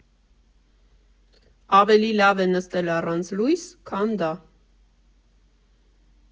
Ավելի լավ է նստել առանց լույս, քան դա։